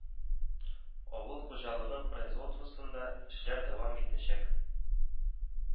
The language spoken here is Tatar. Авыл хуҗалыгы производствосында эшләр дәвам итәчәк